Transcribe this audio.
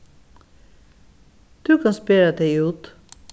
tú kanst bera tey út